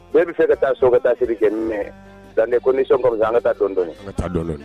Mɛ bɛ fɛ ka taa so ka taa siri kɛ mɛn zan kosɔn an taa tɔn dɔn